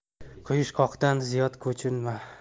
quyushqondan ziyod kuchanma